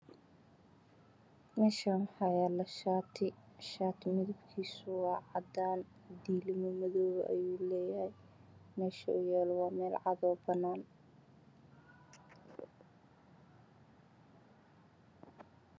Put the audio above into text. Meeshani waxaa yaalo shaati , shaatiga midabkiisu waa cadaan diilimo madow ah ayuu leeyahay meesha uu yaalo waa meel cad oo banaan